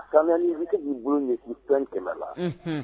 Kamalen ni i'i bolo ɲɛ k'i fɛn kɛmɛ la